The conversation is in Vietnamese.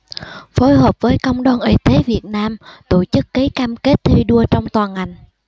phối hợp với công đoàn y tế việt nam tổ chức ký cam kết thi đua trong toàn ngành